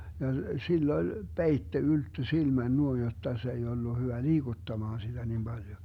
ja sillä oli peite ylttö silmän noin jotta se ei ollut hyvä liikuttamaan sitä niin paljon